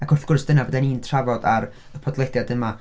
Ac wrth gwrs dyna be dan ni'n trafod ar y podlediad yma...